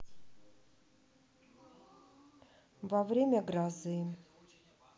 во время грозы